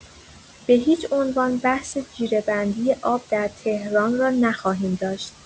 به‌هیچ‌عنوان بحث جیره‌بندی آب در تهران را نخواهیم داشت.